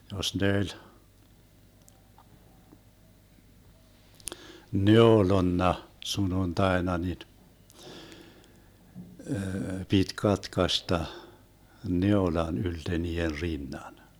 jos ne oli neulonut sunnuntaina niin piti katkaista neulan ylte niiden rinnan